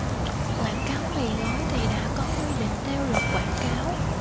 quảng cáo mì gói thì đã có quy định theo luật quảng cáo